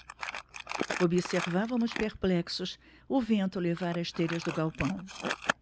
observávamos perplexos o vento levar as telhas do galpão